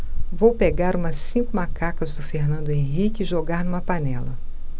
vou pegar umas cinco macacas do fernando henrique e jogar numa panela